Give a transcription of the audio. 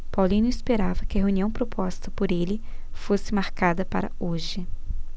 paulino esperava que a reunião proposta por ele fosse marcada para hoje